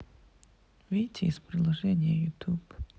выйти из приложения ютуб